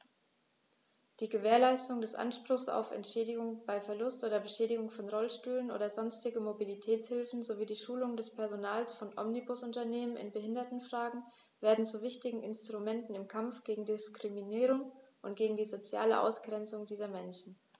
Die Gewährleistung des Anspruchs auf Entschädigung bei Verlust oder Beschädigung von Rollstühlen oder sonstigen Mobilitätshilfen sowie die Schulung des Personals von Omnibusunternehmen in Behindertenfragen werden zu wichtigen Instrumenten im Kampf gegen Diskriminierung und gegen die soziale Ausgrenzung dieser Menschen.